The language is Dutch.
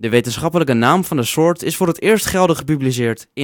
wetenschappelijke naam van de soort is voor het eerst geldig gepubliceerd